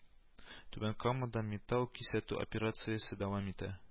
Түбән Камада Металл кисәтү операциясе дәвам итә